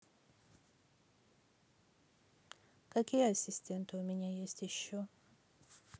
какие ассистенты у меня есть еще